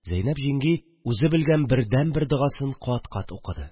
Зәйнәп җиңги үзе белгән бердәнбер догасын кат-кат укыды